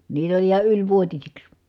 niitä oli ihan ylivuotisiksi